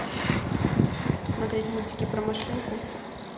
смотреть мультик про машинку